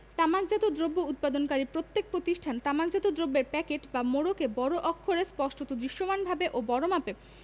তামাকজাত দ্রব্য উৎপাদনকারী প্রত্যক প্রতিষ্ঠান তামাকজাত দ্রব্যের প্যাকেট বা মোড়কে বড় অক্ষরে স্পষ্টত দৃশ্যমানভাবে ও বড়মাপে